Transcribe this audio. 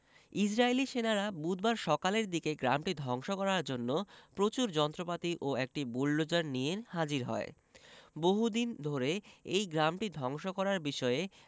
ইসরাইলী সেনারা বুধবার সকালের দিকে গ্রামটি ধ্বংস করার জন্য প্রচুর যন্ত্রপাতি ও একটি বুলডোজার নিয়ে হাজির হয় বহুদিন ধরে এই গ্রামটি ধ্বংস করার বিষয়ে